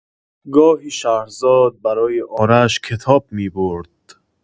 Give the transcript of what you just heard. گاهی شهرزاد برای آرش کتاب می‌برد.